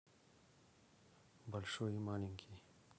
большой и маленький